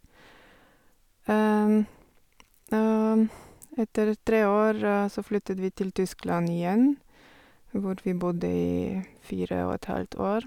Og etter tre år så flyttet vi til Tyskland igjen, hvor vi bodde i fire og et halvt år.